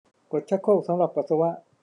กดชักโครกสำหรับปัสสาวะ